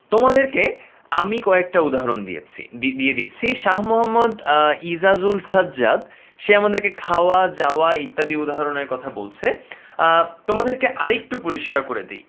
তোমাদেরকে আমি কয়েকটা উদাহরণ দিয়েছি দিয়ে দিচ্ছি শাহ মোহাম্মদ ইজাজুল সাজ্জাদ সে আমাদেরকে খাওয়া যাওয়া ইত্যাদি উদাহরণের কথা বলছে তোমাদেরকে আরেকটু পরিষ্কার করে দিই